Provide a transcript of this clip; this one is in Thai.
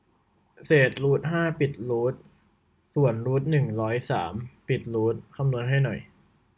เศษรูทห้าปิดรูทส่วนรูทหนึ่งร้อยสามปิดรูทคำนวณให้หน่อย